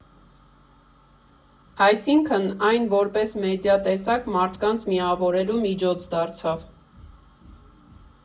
Այսինքն, այն որպես մեդիա տեսակ մարդկանց միավորելու միջոց դարձավ։